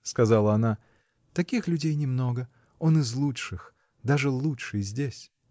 — сказала она, — таких людей немного: он из лучших, даже лучший, здесь.